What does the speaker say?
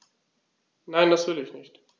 Nein, das will ich nicht.